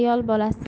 emas ayol bolasi